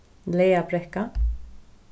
laðabrekka